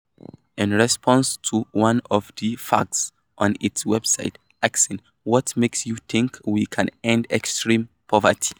In response to one of the FAQs on its website asking "what makes you think we can end extreme poverty?"